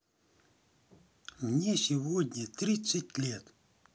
мне сегодня тридцать лет